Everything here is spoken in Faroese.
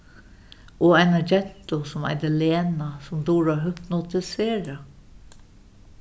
og eina gentu sum eitur lena sum dugir at hypnotisera